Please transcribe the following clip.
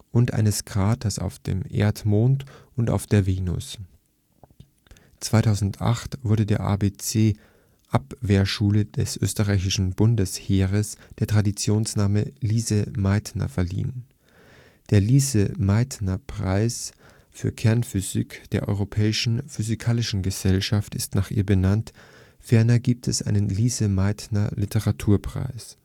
und eines Kraters auf dem Erdmond und auf der Venus. 2008 wurde der ABC-Abwehrschule des Österreichischen Bundesheeres der Traditionsname „ Lise Meitner “verliehen. Der Lise-Meitner-Preis für Kernphysik der Europäischen Physikalischen Gesellschaft ist nach ihr benannt, ferner gibt es einen Lise-Meitner-Literaturpreis